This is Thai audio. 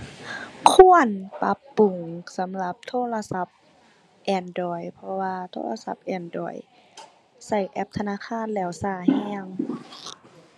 ควรปรับปรุงสำหรับโทรศัพท์ Android เพราะว่าโทรศัพท์ Android ใช้แอปธนาคารแล้วใช้ใช้